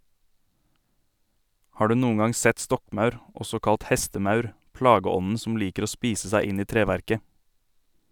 Har du noen gang sett stokkmaur, også kalt hestemaur, plageånden som liker å spise seg inn i treverket?